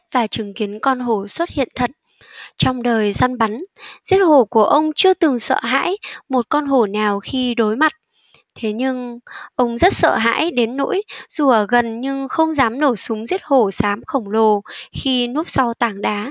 và chứng kiến con hổ xuất hiện thật trong đời săn bắn giết hổ của ông chưa từng sợ hãi một con hổ nào khi đối mặt thế nhưng ông rất sợ hãi đến nổi dù ở gần nhưng không dám nổ súng giết hổ xám khổng lồ khi núp sau tảng đá